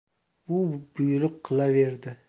u buyruq qilaverdi